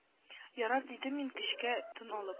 Ярар дидем мин көчкә тын алып